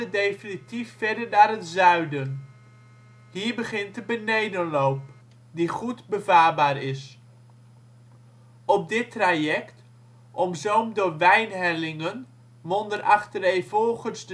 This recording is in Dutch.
definitief verder naar het zuiden. Hier begint de benedenloop, die goed bevaarbaar is. Op dit traject, omzoomd door wijnhellingen, monden achtereenvolgens